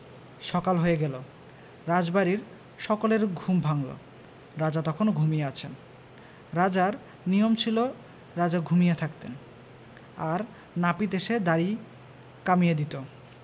সকাল হয়ে গেল রাজবাড়ির সকলের ঘুম ভাঙল রাজা তখনও ঘুমিয়ে আছেন রাজার নিয়ম ছিল রাজা ঘুমিয়ে থাকতেন আর নাপিত এসে দাঁড়ি কোমিয়ে দিত